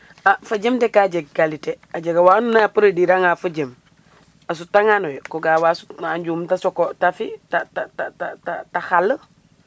A fo jem de ka jeg qualiter a jega wa andoona yee produire anga fo jem a sutanganooyo ko ga'aa wa sutna a njum ta coco ta fi' ta ta xal.